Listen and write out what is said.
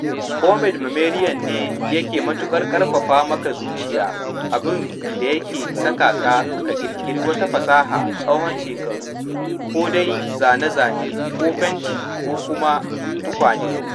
Omid Memarian: Me yake matuƙar ƙarfafa maka zuciya, abin da yake saka ka, ka ƙiriƙiri wata fasaha tsawon shekaru, ko dai zane-zane ko fenti ko kuma tukwane?